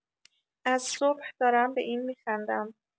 از صبح دارم به این می‌خندم.